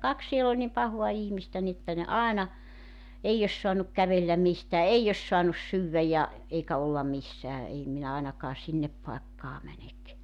kaksi siellä oli niin pahaa ihmistä niin että ne aina ei olisi saanut kävellä mistään ei olisi saanut syödä ja eikä olla missään ei minä ainakaan sinne paikkaan mene